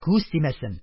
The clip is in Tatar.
Күз тимәсен,